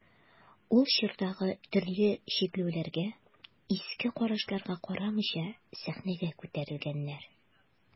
Ул чордагы төрле чикләүләргә, иске карашларга карамыйча сәхнәгә күтәрелгәннәр.